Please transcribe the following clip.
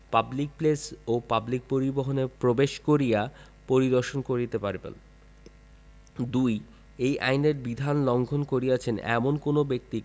public place ও public পরিবহণে প্রবেশ করিয়া পরিদর্শন করিতে পারিবেন ২ এই আইনের বিধান লংঘন করিয়াছেন এমন কোন ব্যক্তি